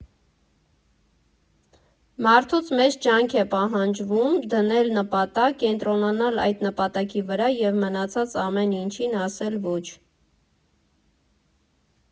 Մարդուց մեծ ջանք է պահանջվում դնել նպատակ, կենտրոնանալ այդ նպատակի վրա և մնացած ամեն ինչին ասել՝ ոչ։